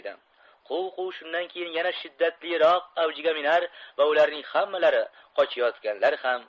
quv quv shundan keyin yana shiddatliroq avjiga minar va ularning hammalari qochayotganlar ham